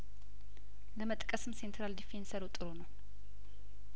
ለመጥቀስም ሴንትራል ዲፌን ሰሩ ጥሩ ነው